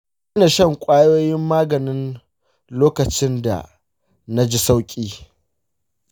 na daina shan ƙwayoyin maganin lokacin da na ji sauƙi.